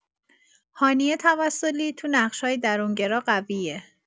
هانیه توسلی تو نقشای درون‌گرا قویه.